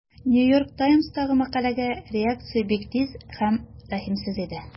New York Times'тагы мәкаләгә реакция бик тиз һәм рәхимсез иде.